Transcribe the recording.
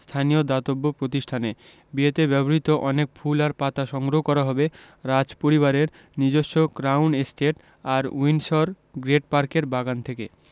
স্থানীয় দাতব্য প্রতিষ্ঠানে বিয়েতে ব্যবহৃত অনেক ফুল আর পাতা সংগ্রহ করা হবে রাজপরিবারের নিজস্ব ক্রাউন এস্টেট আর উইন্ডসর গ্রেট পার্কের বাগান থেকে